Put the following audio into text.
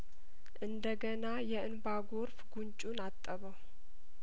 እንደ ገና የእንባ ጐርፍ ጉንጩን አጠበው